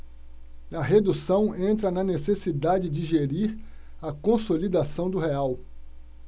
a redução entra na necessidade de gerir a consolidação do real